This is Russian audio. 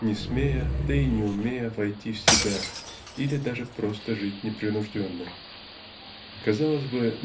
не смея да и не умея войти в себя или даже просто жить непринужденно. Казалось бы